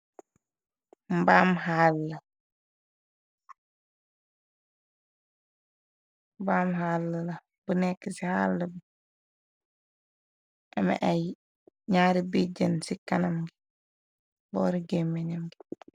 Mbaam xaala mbaam xaala la bu neka ci xaala bi ame ay ñaari biijën ci kanam ci boori geemen nyam.